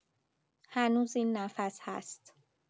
هنوز این نفس هست.